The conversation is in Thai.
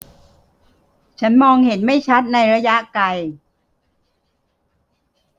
ฉันมองเห็นไม่ชัดในระยะไกล